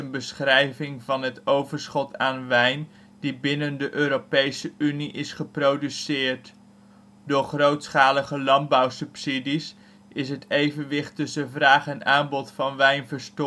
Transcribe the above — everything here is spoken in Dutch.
beschrijving van het overschot van wijn dat binnen de Europese Unie is geproduceerd. Door grootschalige landbouwsubsidies is het evenwicht tussen vraag en aanbod van wijn